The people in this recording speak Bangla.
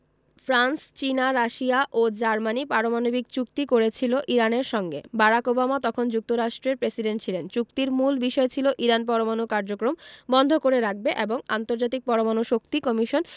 ফ্রান্স চীন রাশিয়া ও জার্মানি পারমাণবিক চুক্তি করেছিল ইরানের সঙ্গে বারাক ওবামা তখন যুক্তরাষ্ট্রের প্রেসিডেন্ট ছিলেন চুক্তির মূল বিষয় ছিল ইরান পরমাণু কার্যক্রম বন্ধ করে রাখবে এবং আন্তর্জাতিক পরমাণু শক্তি কমিশন